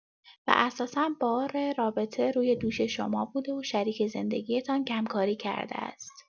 و اساسا بار رابطه روی دوش شما بوده و شریک زندگی‌تان کم‌کاری کرده است.